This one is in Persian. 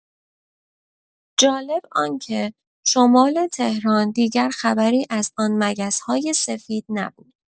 جالب آنکه شمال تهران دیگر خبری از آن مگس‌های سفید نبود.